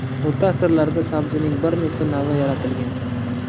o'rta asrlarda sabzining bir necha navi yaratilgan